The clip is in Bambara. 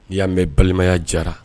Y'an mɛn balimaya jara